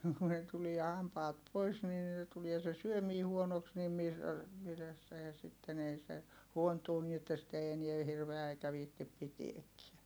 kun ne tulee hampaat pois niin niille tulee se syöminen huonoksi niin - mitäs se ja sitten ei se huontuu niin että sitä ei enää hirveä eikä viitsi pitääkään